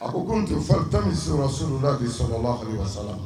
A ko ko tɛ fa tanmi se so la' so wasala